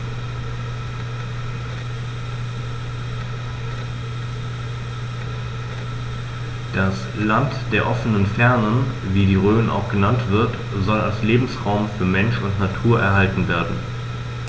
Das „Land der offenen Fernen“, wie die Rhön auch genannt wird, soll als Lebensraum für Mensch und Natur erhalten werden.